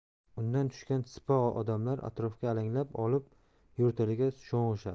undan tushgan sipo odamlar atrofga alanglab olib yerto'laga sho'ng'ishadi